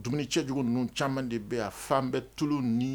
Dumuni cɛjugu ninnu caman de be ye a faan bɛ tulu ni